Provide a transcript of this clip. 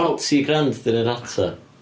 Forty grand 'di yr un rhata.